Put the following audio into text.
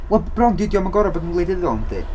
Wel bron d- 'di o ddim yn gorfod bod yn wleidyddol nadi?